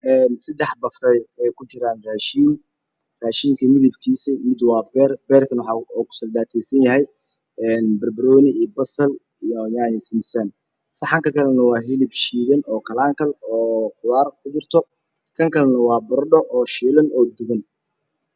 Sadex bafey ay ku jiraan raashin rashsinka midabkiisa mid waa beer beerkana waxaa uu kusi dansanyahay barbanooni iyo basal iyo yaanyo siisan saxanka kalena waa hilib shiidan oo kalaanlkal oo qudaar ku jirto kan kale waa barandho oo shiilan oo duban